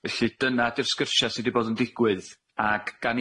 Felly dyna 'di'r sgyrsia sy 'di bod yn digwydd ag gan